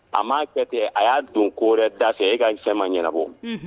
A maa kɛ ten a 'ya don ko wɛrɛ da fɛ e ka fɛn ma ɲɛnabɔ.